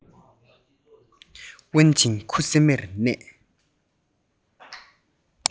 ཨུཏྤལ དང པདྨ